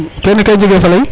kene kay jegee fa lay .